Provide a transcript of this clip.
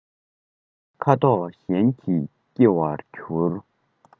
ཁ དོག གཞན ཞིག སྐྱེ བར འགྱུར